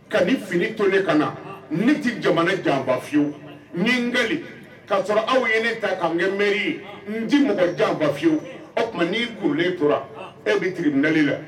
Ka ni fini tolen ka na ni tɛ jamana jan bayewu ni n k'a sɔrɔ aw ye ne ta k' kɛ mri ye n tɛ mɔgɔ jan bayewu o tuma ni' kolen tora e bɛ nali la